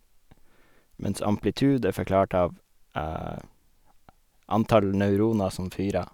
Mens amplitude er forklart av antall neuroner som fyrer.